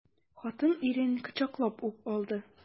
Хатын ирен кочаклап ук алды.